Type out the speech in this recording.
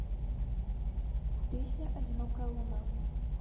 песня одинокая луна